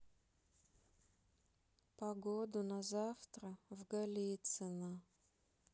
погоду на завтра в галицино